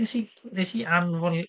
Wnes i, wnes i anfon